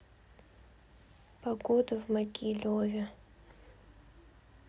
погода в могилеве